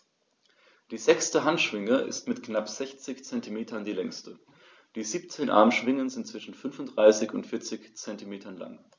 Die sechste Handschwinge ist mit knapp 60 cm die längste. Die 17 Armschwingen sind zwischen 35 und 40 cm lang.